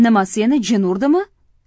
nima seni jin urdimi